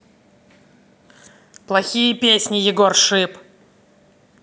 плохие песни егор шип